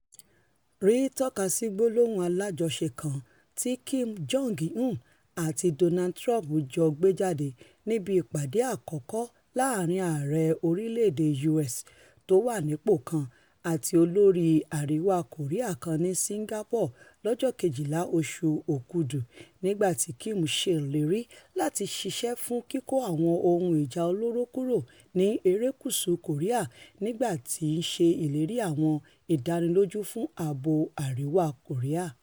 Ri tọ́kasí gbólóhùn alájọṣe kan ti Kim Jong Un àti Donald Trump jọ gbéjáde níbi ìpàdé àkọ́kọ́ láàrin ààrẹ orílẹ̀-èdè U.S. tówànípò kan àti olórí Àríwá Kòríà kan ní Singapore lọ́jọ́ kejìlá oṣù Òkúdu, nígbà tí Kim ṣe ìlérí láti ṣiṣẹ́ fún ''kíkó àwọn ohun ìjà olóró kúrò ni erékùsù Kòríà'' nígbà tí ṣe ìlérí àwọn ìdánilójú fún ààbò Àríwá Kòríà.